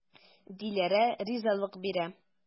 Диләрә ризалык бирә.